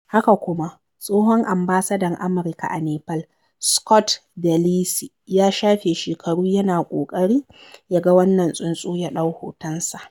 Haka kuma, tsohon ambasadan Amurka a Nepal, Scott DeLisi ya shafe shekaru yana ƙoƙarin ya ga wannan tsuntsu ya ɗau hotonsa.